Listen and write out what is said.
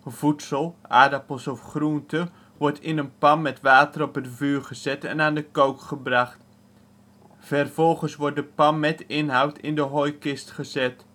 Voedsel (aardappels of groente) wordt in een pan met water op het vuur gezet en aan de kook gebracht. Vervolgens wordt de pan met inhoud in de hooikist gezet